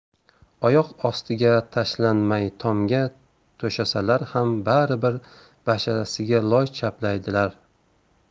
oyoq ostiga tashlanmay tomga to'shasalar ham baribir basharasiga loy chaplaydilar